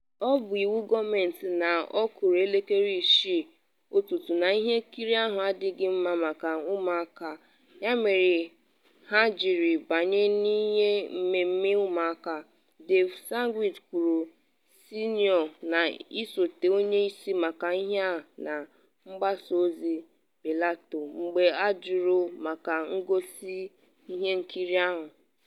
“Ọ bụ iwu gọọmentị na ka ọ kụrụ elekere 6 ụtụtụ na ihe nkiri ahụ adịghị mma maka ụmụaka, ya mere ha jiri banye n’ihe mmemme ụmụaka,” Dave Schwartz kwuru, senịọ na-esote onye isi maka ahịa na mgbasa ozi Bellator, mgbe ajụrụ maka ngosi ihe nkiri ahụ.